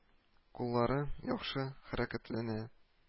Куллары яхшы хәрәкәтләнә